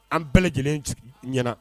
An bɛɛ lajɛlen ɲɛna